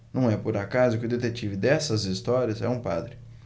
não é por acaso que o detetive dessas histórias é um padre